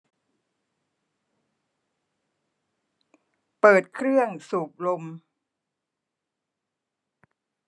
เปิดเครื่องสูบลม